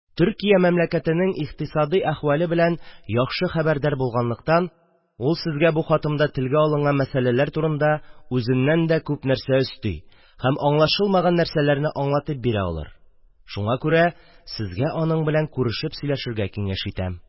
Төркия мәмләкәтенең икътисади әхвәле* белән яхшы хәбәрдәр булганлыктан, ул сезгә бу хатымда телгә алынган мәсәләләр турында үзеннән дә күп нәрсә өсти һәм аңлашылмаган нәрсәләрне аңлатып бирә алыр, шуңа күрә сезгә аның белән күрешеп сөйләшергә киңәш итәм.